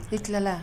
I tilala